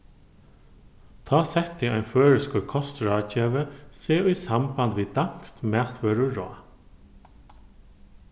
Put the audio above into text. tá setti ein føroyskur kostráðgevi seg í samband við danskt matvøruráð